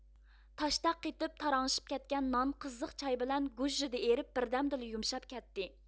تاشدەك قېتىپ تاراڭشىپ كەتكەن نان قىزىق چاي بىلەن گۇژژىدە ئېرىپ بىردەمدىلا يۇمشاپ كەتتى